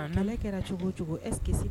na kɛra cogo o cogo est-ce que si